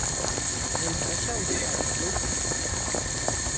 men har sóust bara skýggj